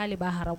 K'ale b'a hara